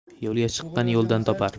yo'lga chiqqan yo'ldan topar